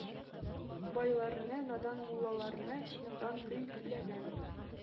– байларны, надан муллаларны тәнкыйтьләгән,